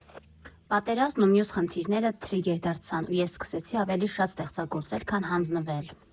Պատերազմն ու մյուս խնդիրները թրիգեր դարձան, ու ես սկսեցի ավելի շատ ստեղծագործել, քան հանձնվել։